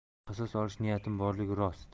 qasos olish niyatim borligi rost